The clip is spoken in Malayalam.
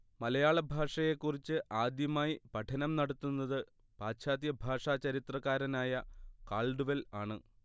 മലയാള ഭാഷയെക്കുറിച്ച് ആദ്യമായി പഠനം നടത്തുന്നത് പാശ്ചാത്യ ഭാഷാ ചരിത്രകാരനായ കാൾഡ്വെൽ ആണ്